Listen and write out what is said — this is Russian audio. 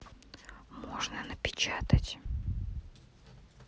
можно напечатать